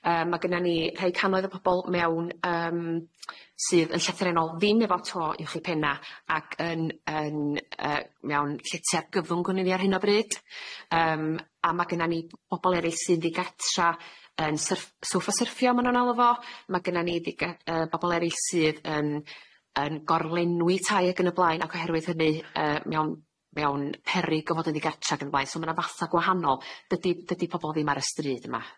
Yym ma' gynna ni rhei cannoedd o pobol mewn yym sydd yn llythrennol ddim efo to uwch 'i penna ac yn yn yy mewn llety argyfwng genna ni ar hyn o bryd yym a ma' gynna ni bobol erill sy'n ddigatra yn syrff- soffa syrffio ma' nw'n alw fo ma' gynna ni diga- yy bobol erill sydd yn yn gorlenwi tai ag yn y blaen ac oherwydd hynny yy mewn mewn peryg o fod yn ddigatra ag yn y blaen so ma' ;na fatha gwahanol. Dydi dydi pobol ddim ar y stryd yma.